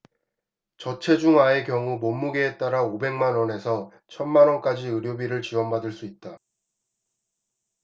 저체중아의 경우 몸무게에 따라 오백 만원에서 천 만원까지 의료비를 지원받을 수 있다